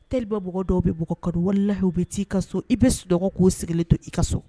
Talibabagaw dɔw bɛugɔgɔ ka walelayi bɛ taa'i ka so i bɛ so dɔgɔkun k'o sigilen to i ka so